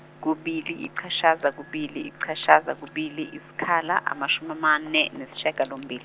kubili ichashaza kubili ichashaza kubili isikhala amashumi amane nesishagalombil-.